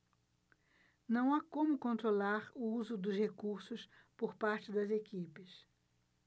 não há como controlar o uso dos recursos por parte das equipes